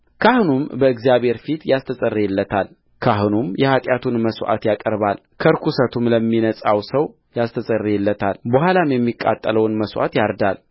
ካህኑም በእግዚአብሔር ፊት ያስተሰርይለታልካህኑም የኃጢአቱን መሥዋዕት ያቀርባል ከርኵሰቱም ለሚነጻው ሰው ያስተሰርይለታል በኋላም የሚቃጠለውን መሥዋዕት ያርዳል